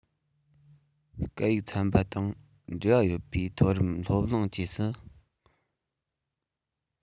སྐད ཡིག ཚན པ དང འབྲེལ བ ཡོད པའི མཐོ རིམ སློབ གླིང བཅས སུ